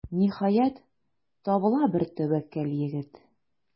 Ниһаять, табыла бер тәвәккәл егет.